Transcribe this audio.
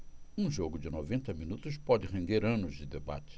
um jogo de noventa minutos pode render anos de debate